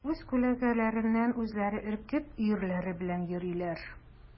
Үз күләгәләреннән үзләре өркеп, өерләре белән йөриләр.